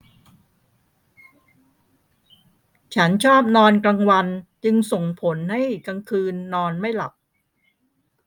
ฉันชอบนอนกลางวันจึงส่งผลให้กลางคืนนอนไม่หลับ